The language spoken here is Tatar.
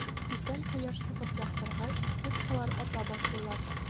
Иртән кояш чыгып яктыргач, пушкалар ата башлыйлар.